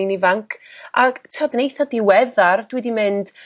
oni'n ifanc ag t'od yn eitha' diweddar dwi 'di mynd